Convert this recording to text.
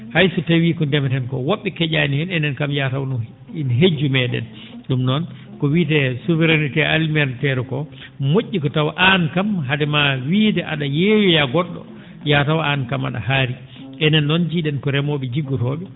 hay so tawii ko ndemeten koo wo??e ke?aani heen enen kam yaataw ?um ?um hejji me?en ?um noon ko wiyetee souverainité alimentaire koo mo??i ko tawa aan kam hade maa wiide a?a yeeyoya go??o yaataw aan kam a?a haari enen noon njii?en ko remoo?e jiggotoo?e